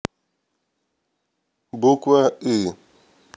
буква ы